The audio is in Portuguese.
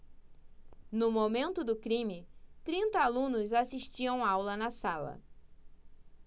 no momento do crime trinta alunos assistiam aula na sala